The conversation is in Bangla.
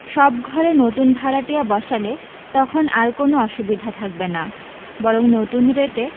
সব ঘরে নতুন ভাড়াটিয়া বসালে তখন আর কোনো অসুবিধা থাকবে না বরং নতুন রেটে